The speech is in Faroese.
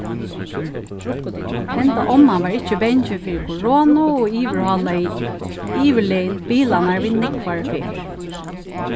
henda omman var ikki bangin fyri koronu og yvirhálaði yvirlegin bilarnar við nógvari ferð